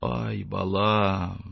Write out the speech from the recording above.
Ай, балам,